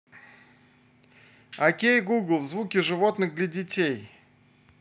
окей гугл звуки животных для детей